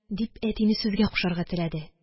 Дип, әтине сүзгә кушарга теләде.